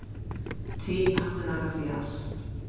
tig hatta er nakað fjas